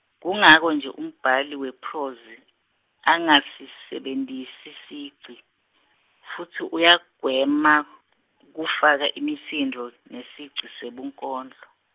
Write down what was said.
kungako nje umbhali wephrozi, angasisebentisi sigci, futsi uyagwema, kufaka imisindvo, nesigci sebunkondlo.